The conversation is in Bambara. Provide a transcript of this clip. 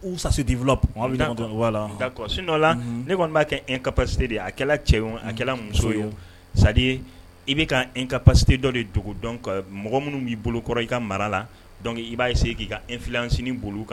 U sadi fɔlɔ sin dɔ la ne kɔni b'a kɛ e ka pasise de ye a cɛ a muso ye sa i bɛ ka n ka pasite dɔ de dogo dɔn ka mɔgɔ minnu b'i bolo kɔrɔ i ka mara la dɔn i b'a sen k'i ka nfilan sini bolo kan